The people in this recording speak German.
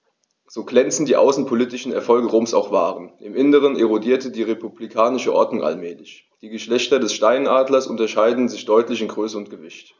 So glänzend die außenpolitischen Erfolge Roms auch waren: Im Inneren erodierte die republikanische Ordnung allmählich. Die Geschlechter des Steinadlers unterscheiden sich deutlich in Größe und Gewicht.